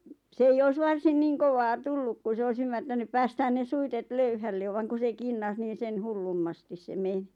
se ei olisi varsin niin kovaa tullut kun se olisi ymmärtänyt päästää ne suitset löyhälle vaan kun se kinnas niin sen hullummasti se meni